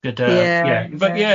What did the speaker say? gyda... Ie.